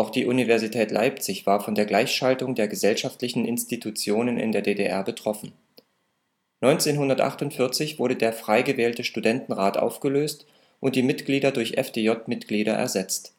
die Universität Leipzig war von der Gleichschaltung der gesellschaftlichen Institutionen in der DDR betroffen. 1948 wurden der frei gewählte Studentenrat aufgelöst und die Mitglieder durch FDJ-Mitglieder ersetzt